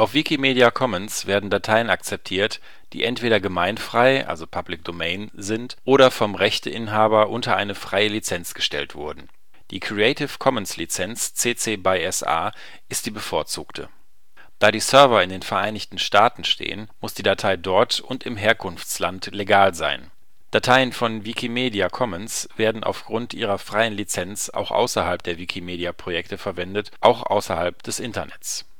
Wikimedia Commons werden Dateien akzeptiert, die entweder gemeinfrei (Public Domain) sind oder vom Rechteinhaber unter eine Freie Lizenz gestellt wurden. Die Creative Commons-Lizenz CC-BY-SA ist die bevorzugte. Da die Server in den Vereinigten Staaten stehen, muss die Datei dort und im Herkunftsland legal sein. Dateien von Wikimedia Commons werden aufgrund ihrer freien Lizenz auch außerhalb der Wikimedia-Projekte verwendet, auch außerhalb des Internets